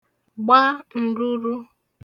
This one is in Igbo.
gba ǹruru